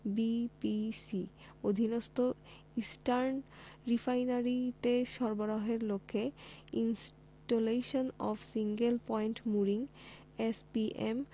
BPC অধীনস্থ eastern রিফাইনারিতে সরবরাহের লক্ষ্যে installation of single point mooring SPM